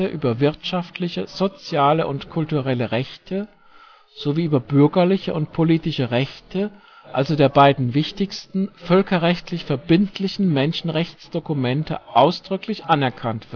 über wirtschaftliche, soziale und kulturelle Rechte sowie über bürgerliche und politische Rechte, also der beiden wichtigsten völkerrechtlich verbindlichen Menschenrechtsdokumente ausdrücklich anerkannt